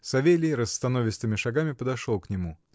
Савелий расстановистыми шагами подошел к нему.